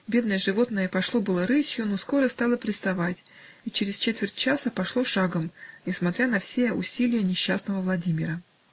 бедное животное пошло было рысью, но скоро стало приставать и через четверть часа пошло шагом, несмотря на все усилия несчастного Владимира.